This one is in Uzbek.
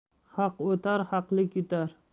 haq o'tar haqlik yutar